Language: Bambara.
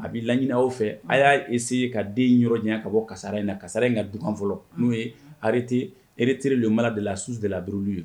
A bɛi laɲiniina aw fɛ a y'aese ka den yɔrɔ ɲ ka bɔ kara in na kara in ka dufɔlɔ n'o ye hate eretere lbala de la su delarilu ye